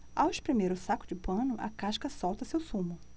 ao espremer o saco de pano a casca solta seu sumo